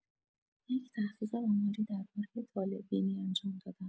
یک تحقیق آماری دربارۀ طالع‌بینی انجام دادم.